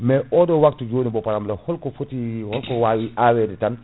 mais oɗo waptu joni bo pa* holko foti holko wawi awede tan